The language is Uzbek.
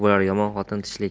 bo'lar yomon xotin tishlik